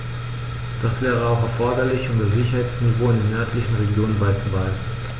Das wäre auch erforderlich, um das Sicherheitsniveau in den nördlichen Regionen beizubehalten.